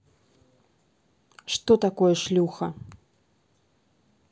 что такое шлюха